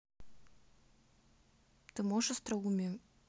ты можешь остроумие